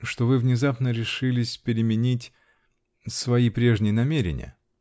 что вы внезапно решились переменить. свои прежние намерения.